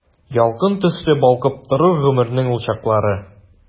Ялкын төсле балкып торыр гомернең ул чаклары.